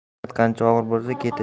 mehnat qancha og'ir bo'lsa